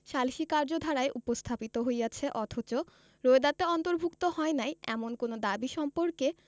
সালিসী কার্যধারায় উপস্থাপিত হইয়াছে অথচ রোয়েদাদে অন্তর্ভুক্ত হয় নাই এমন কোন দাবী সম্পর্কে